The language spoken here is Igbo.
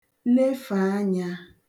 lefe anyā